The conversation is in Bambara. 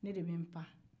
ne de bɛ n pan